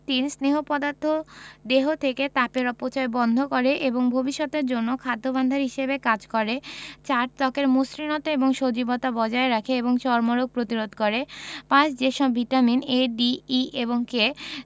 ৩. স্নেহ পদার্থ দেহ থেকে তাপের অপচয় বন্ধ করে এবং ভবিষ্যতের জন্য খাদ্য ভাণ্ডার হিসেবে কাজ করে ৪. ত্বকের মসৃণতা এবং সজীবতা বজায় রাখে এবং চর্মরোগ প্রতিরোধ করে ৫. যে সব ভিটামিন A D E এবং K